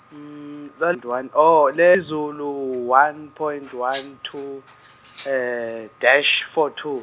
point one oh Zulu one point one two dash four two.